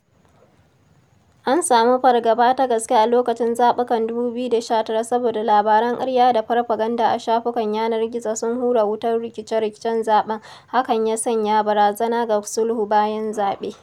An samu fargaba ta gaske a lokacin zaɓukan 2019 saboda labaran ƙarya da farfaganda a shafukan yanar gizo sun hura wutar rikice-rikicen zaɓe hakan ya sanya "barazana ga sulhu bayan zaɓe".